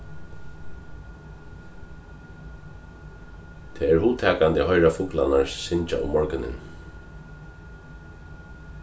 tað er hugtakandi at hoyra fuglarnar syngja um morgunin